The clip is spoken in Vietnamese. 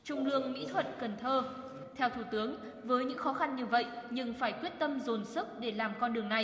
trung lương mỹ thuận cần thơ theo thủ tướng với những khó khăn như vậy nhưng phải quyết tâm dồn sức để làm con đường này